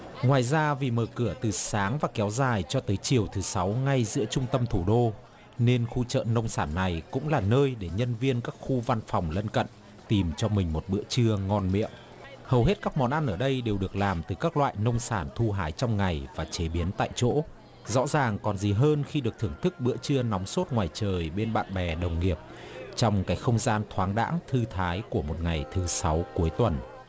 ngoài ra vì mở cửa từ sáng và kéo dài cho tới chiều thứ sáu ngay giữa trung tâm thủ đô nên khu chợ nông sản này cũng là nơi để nhân viên các khu văn phòng lân cận tìm cho mình một bữa trưa ngon miệng hầu hết các món ăn ở đây đều được làm từ các loại nông sản thu hái trong ngày và chế biến tại chỗ rõ ràng còn gì hơn khi được thưởng thức bữa trưa nóng sốt ngoài trời bên bạn bè đồng nghiệp trong cái không gian thoáng đãng thư thái của một ngày thứ sáu cuối tuần